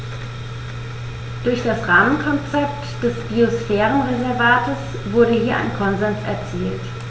Durch das Rahmenkonzept des Biosphärenreservates wurde hier ein Konsens erzielt.